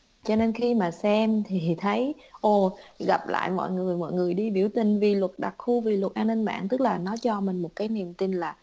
cho nên khi mà xem thì thấy ồ gặp lại mọi người mọi người đi biểu tình vì luật đặc khu vì luật an ninh mạng tức là nó cho mình một cái niềm tin là